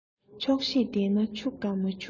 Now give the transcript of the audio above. ཆོག ཤེས ལྡན ན ཕྱུག དང མ ཕྱུག མེད